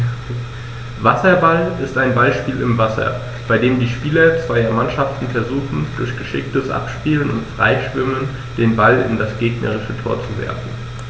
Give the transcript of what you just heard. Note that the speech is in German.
Wasserball ist ein Ballspiel im Wasser, bei dem die Spieler zweier Mannschaften versuchen, durch geschicktes Abspielen und Freischwimmen den Ball in das gegnerische Tor zu werfen.